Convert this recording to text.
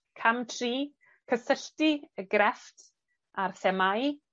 Cam tri, cysylltu y grefft, a'r themâu.